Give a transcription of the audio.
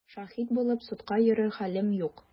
Шаһит булып судка йөрер хәлем юк!